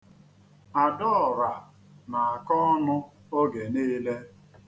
Adaora na-akọ ọnụ oge niile.